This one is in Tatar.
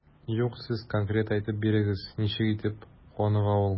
Юк, сез конкрет әйтеп бирегез, ничек итеп каныга ул?